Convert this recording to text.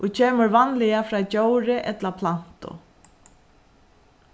og kemur vanliga frá djóri ella plantu